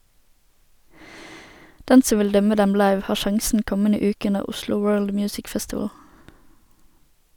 Den som vil dømme dem live, har sjansen kommende uke under Oslo World Music Festival.